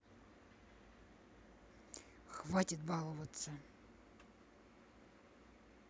хватит баловаться